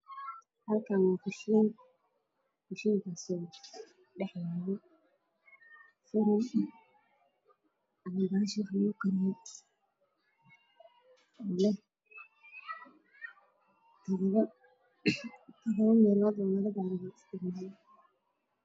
Waa kuukar midabkiisa yahay madow oo leh qaanado qaanado ah